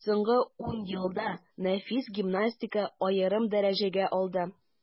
Соңгы ун елда нәфис гимнастика аерым дәрәҗәгә алды.